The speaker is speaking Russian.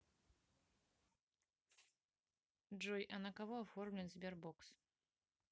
джой а на кого оформлен sberbox